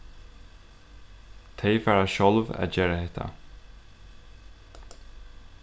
tey fara sjálv at gera hetta